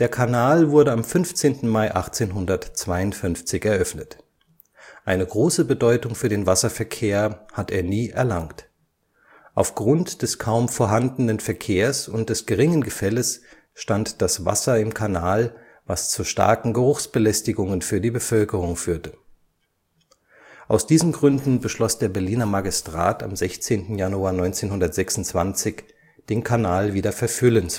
Kanal wurde am 15. Mai 1852 eröffnet. Eine große Bedeutung für den Wasserverkehr hat er nie erlangt. Aufgrund des kaum vorhandenen Verkehrs und des geringen Gefälles stand das Wasser im Kanal, was zu starken Geruchsbelästigungen für die Bevölkerung führte. Aus diesen Gründen beschloss der Berliner Magistrat am 16. Januar 1926, den Kanal wieder verfüllen